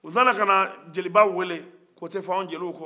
u nana kana jeliba wele ko tɛ fɔ anw jeli kɔ